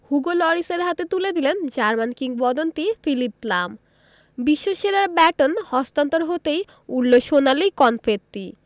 Hugo লরিসের হাতে তুলে দিলেন জার্মান কিংবদন্তি ফিলিপ লাম বিশ্বসেরার ব্যাটন হস্তান্তর হতেই উড়ল সোনালি কনফেত্তি